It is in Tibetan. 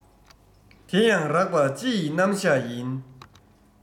དེ ཡང རགས པ སྤྱི ཡི རྣམ གཞག ཡིན